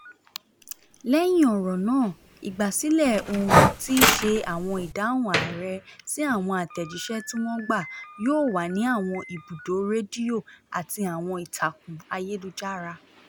Lẹ́yìn ọ̀rọ̀ náà, ìgbà sílẹ̀ ohùn tí í ṣe àwọn ìdáhùn ààrẹ sí àwọn àtẹ̀jíṣẹ́ tí wọn gbà yóò wà ní àwọn ibùdó rédíò àti àwọn ìtàkùn ayélujára.